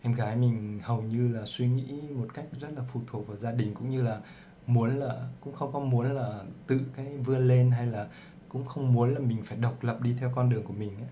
vì em gái mình đang suy nghĩ phụ thuộc gia đình không muốn độc lập đi theo con đường của mình